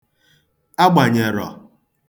agbànyèrọ̀